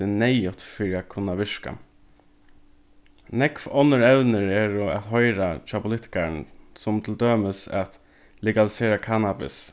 tað er neyðugt fyri at kunna virka nógv onnur evnir eru at hoyra hjá politikarunum sum til dømis at legalisera kannabis